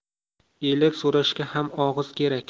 elak so'rashga ham og'iz kerak